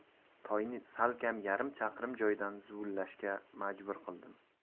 chaqirim joydan zuvlashga majbur qildim